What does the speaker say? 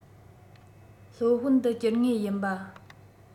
སློབ དཔོན ཏུ གྱུར ངེས ཡིན པ